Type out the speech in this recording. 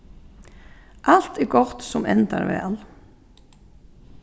alt er gott sum endar væl